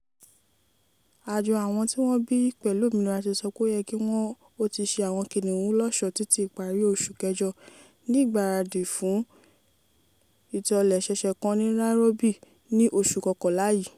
Àjọ Àwọn tí wọ́n bí pẹ̀lú òmìnira ti sọ pé ó yẹ kí wọ́n ó ti ṣe àwọn kìnnìún lọ́ṣọ̀ọ́ títí ìparí oṣù Kẹjọ ní ìgbáradì fún ìtòlẹ́sẹẹsẹ kan ní Nairobi ní oṣù Kọkànlá yìí.